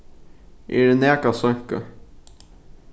eg eri nakað seinkað